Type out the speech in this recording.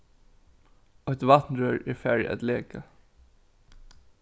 eitt vatnrør er farið at leka